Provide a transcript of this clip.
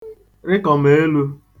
rịkọ̀m̀ elu